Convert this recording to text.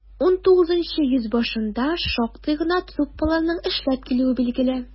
XIX йөз башында шактый гына труппаларның эшләп килүе билгеле.